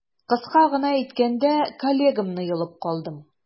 Кыска гына әйткәндә, коллегамны йолып калдым.